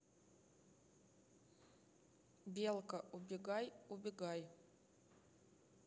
белка убегай убегай